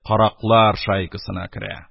Караклар шайкасына керә.